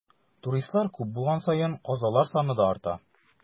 Туристлар күп булган саен, казалар саны да арта.